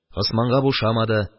Госманга бу ошамады